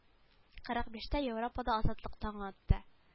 Кырык биштә европада азатлык таңы атты